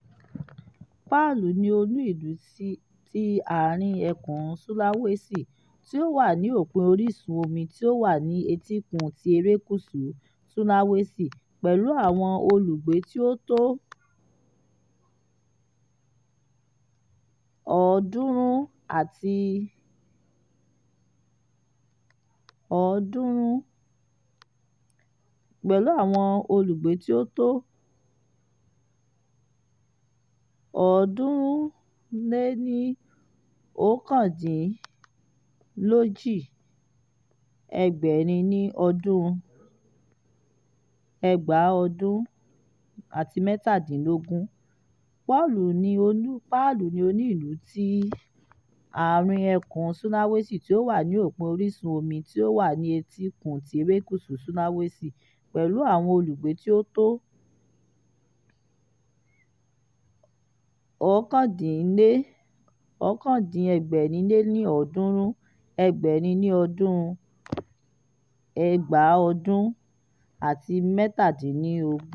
Palu ni olú-ìlú ti Àárín ẹkùn Sulawesi, tí ó wà ní òpin orísun omi tí ó wà ni etíkun ti erekuṣu Sulawesi, pẹ̀lú àwọn olùgbé tí ó to 379,800 ní ọdún 2017.